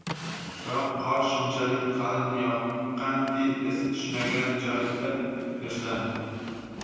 biroq qor shunchalik qalin yoqqanki iz tushmagan joyda yursam